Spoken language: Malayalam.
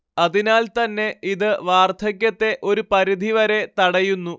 അതിനാൽ തന്നെ ഇത് വാർധക്യത്തെ ഒരു പരിധിവരെ തടയുന്നു